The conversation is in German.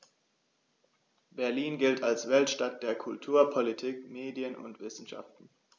Berlin gilt als Weltstadt der Kultur, Politik, Medien und Wissenschaften.